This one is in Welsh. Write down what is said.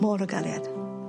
Môr o Gariad.